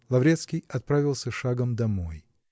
Лаврецкий отправился шагом домой.